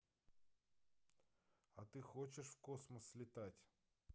а ты хочешь в космос слетать